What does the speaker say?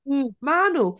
Hmm - maen nhw!